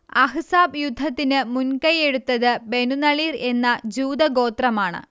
അഹ്സാബ് യുദ്ധത്തിന് മുൻകൈയ്യെടുത്തത് ബനുനളീർ എന്ന ജൂതഗോത്രമാണ്